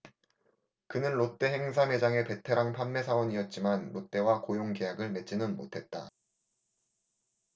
그는 롯데 행사매장의 베테랑 판매사원이었지만 롯데와 고용계약을 맺지는 못했다